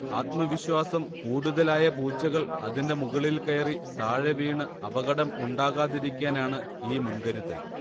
ആത്മവിശ്വാസം കൂടുതലായ പൂച്ചകൾ അതിന്റെ മുകളിൽ കയറി താഴെവീണ് അപകടം ഉണ്ടാകാതിരിക്കാനാണ് ഈ മുൻകരുതൽ